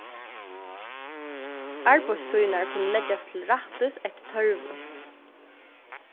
arbeiðstíðirnar kunnu leggjast til rættis eftir tørvi